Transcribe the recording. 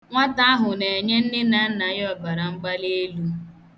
Nwata ahụ na-enye nne na nna ya ọbaramgbalielu.